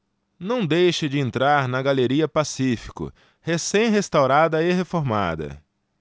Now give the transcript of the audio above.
não deixe de entrar na galeria pacífico recém restaurada e reformada